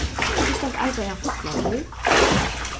tú skalt arbeiða fulla tíð